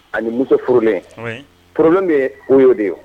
Ani musofurlen furlen bɛ u ye de ye